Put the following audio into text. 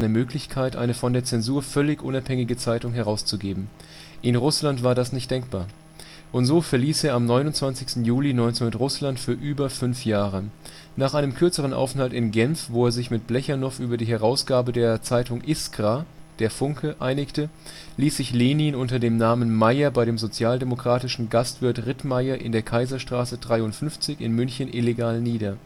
Möglichkeit, eine von der Zensur völlig unabhängige Zeitung herauszugeben. In Russland war das nicht denkbar. Und so verließ er am 29. Juli 1900 Russland für über fünf Jahre. Nach einem kürzeren Aufenthalt in Genf, wo er sich mit Plechanow über die Herausgabe der Zeitung Iskra (Der Funke) einigte, ließ sich Lenin unter dem Namen Meyer bei dem sozialdemokratischen Gastwirt Rittmeyer in der Kaiserstraße 53 in München illegal nieder